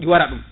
ɗi waara ɗum